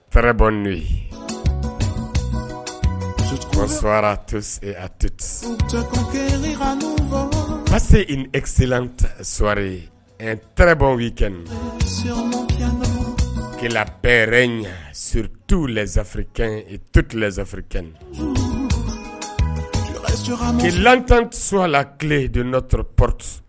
Tarawele n'o ye a tete pase esi sɔware ye tarawele'i kɛ kɛlɛ bɛɛrɛ in ɲɛ sti laari tutiari kɛin tan sula tilele dontɔ pte